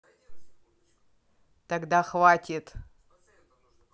тогда хватит